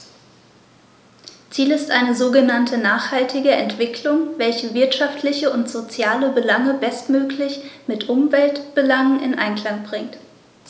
Ziel ist eine sogenannte nachhaltige Entwicklung, welche wirtschaftliche und soziale Belange bestmöglich mit Umweltbelangen in Einklang bringt.